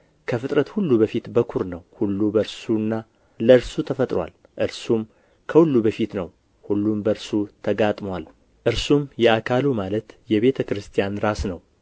ከፍጥረት ሁሉ በፊት በኵር ነው ሁሉ በእርሱና ለእርሱ ተፈጥሮአል እርሱም ከሁሉ በፊት ነው ሁሉም በእርሱ ተጋጥሞአል እርሱም የአካሉ ማለት የቤተ ክርስቲያን ራስ ነው